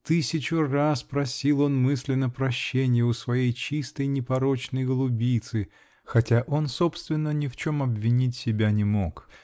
Тысячу раз просил он мысленно прощенья у своей чистой, непорочной голубицы, хотя он собственно ни в чем обвинить себя не мог